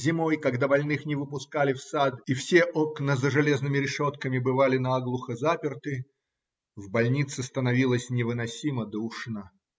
зимой, когда больных не выпускали в сад и все окна за железными решетками бывали наглухо заперты, в больнице становилось невыносимо душно.